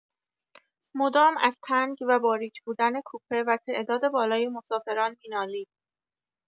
مدام از تنگ و باریک بودن کوپه و تعداد بالای مسافران می‌نالید.